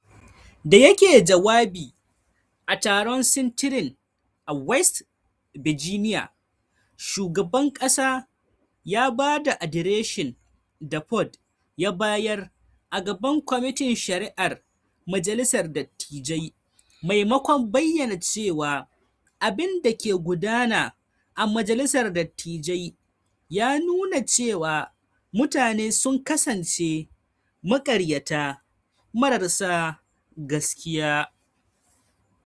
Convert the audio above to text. Da yake jawabi a taron sintirin a West Virginia, shugaban kasa ya ba da adireshin da Ford ya bayar a gaban komitin shari'ar Majalisar Dattijai, maimakon bayyana cewa abin da ke gudana a Majalisar Dattijai ya nuna cewa mutane sun kasance "maƙaryata marar sa gaskiya."